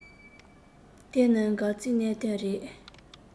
དེ ནི འགག རྩའི གནད དོན རེད